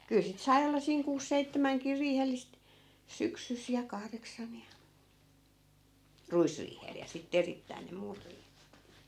kyllä sitten sai olla siinä kuusi seitsemänkin riihellistä syksyssä ja kahdeksan ja ruisriihellä ja sitten erittäin ne muut -